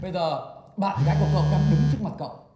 bây giờ bạn gái của cậu đang đứng trước mặt cậu